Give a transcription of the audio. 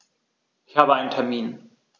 Ich habe einen Termin.